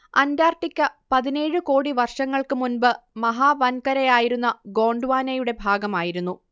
Antarctica പതിനേഴ് കോടി വർഷങ്ങൾക്ക് മുമ്പ് മഹാവൻകരയായിരുന്ന ഗോണ്ട്വാനയുടെ ഭാഗമായിരുന്നു